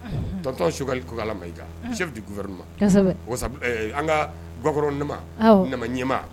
Tɔntɔn sukali kokala ma i sɛti kuu wɛrɛrin ma an ka g gakkɔrɔ nema na ɲɛmaa